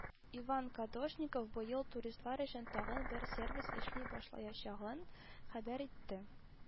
Иван Кадошников быел туристлар өчен тагын бер сервис эшли башлаячагын хәбәр итте